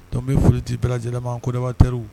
Tɔn bɛ foli' bɛɛ lajɛlenma kodabatɛri